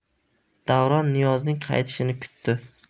davron niyozning qaytishini kutdi